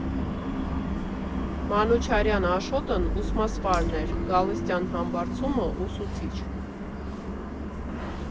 Մանուչարյան Աշոտն ուսմասվարն էր, Գալստյան Համբարձումը՝ ուսուցիչ։